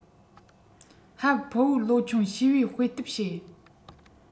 ཧམ ཕུ བོས ལོ ཆུང བྱིས པའི དཔེ དེབ བཤད